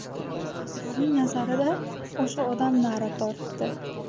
asrornig nazarida usha odam na'ra tortdi